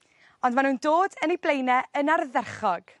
Ond ma' nw'n dod yn eu blaene yn ardderchog.